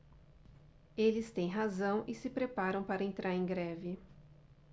eles têm razão e se preparam para entrar em greve